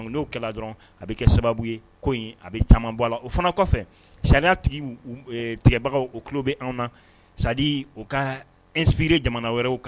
N’o kɛra dɔrɔn a bi kɛ sababu ye ko in a bi caman bɔ a la, o fana kɔfɛ sariya tigui tigɛbagaw o tulo bɛ anw na Ça dire u ka inspiré jamana wɛrɛw kan